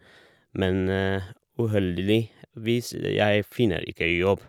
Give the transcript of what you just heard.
Men uheldigvis jeg finner ikke jobb.